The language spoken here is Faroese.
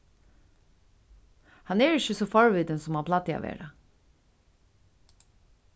hann er ikki so forvitin sum hann plagdi at vera